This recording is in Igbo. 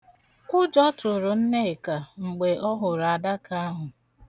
Ụjọ tụrụ Nneka mgbe ọ hụrụ adaka ahụ.